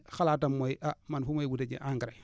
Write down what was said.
xalaatam mooy ah man fu may wutee ji engrais